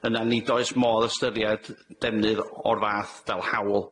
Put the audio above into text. yna nid oes modd ystyried defnydd o'r fath fel hawl.